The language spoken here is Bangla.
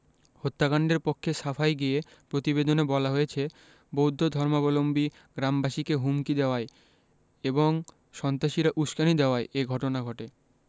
হত্যাকাণ্ডের পক্ষে সাফাই গেয়ে প্রতিবেদনে বলা হয়েছে বৌদ্ধ ধর্মাবলম্বী গ্রামবাসীকে হুমকি দেওয়ায় এবং সন্ত্রাসীরা উসকানি দেওয়ায় এ ঘটনা ঘটে